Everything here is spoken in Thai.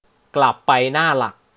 กลับหน้าหลัก